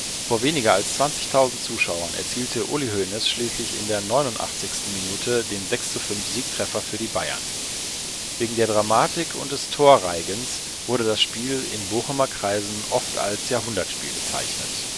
Vor weniger als 20.000 Zuschauern erzielte Uli Hoeneß schließlich in der 89. Minute den 6:5-Siegtreffer für die Bayern. Wegen der Dramatik und des Torreigens wurde das Spiel in Bochumer Kreisen oft als Jahrhundertspiel bezeichnet